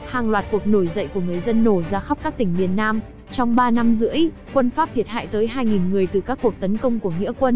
hàng loạt cuộc nổi dậy của người dân nổ ra khắp các tỉnh miền nam trong năm rưỡi quân pháp thiệt hại tới người từ các cuộc tấn công của nghĩa quân